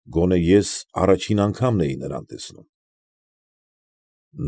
Գոնե ես առաջին անգամն էի նրան տեսնում։